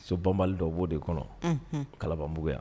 So banbali dɔ u b'o de kɔnɔ ,unhun, kalabangbugu yan